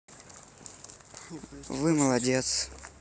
вы молодец